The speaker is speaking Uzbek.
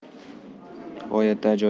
g'oyatda ajoyib